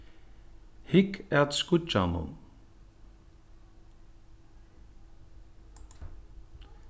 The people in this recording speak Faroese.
hygg at skíggjanum